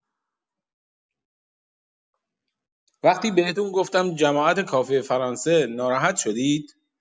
وقتی بهتون گفتم جماعت کافه فرانسه ناراحت شدید.